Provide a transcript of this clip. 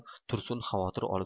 tursun xavotir olib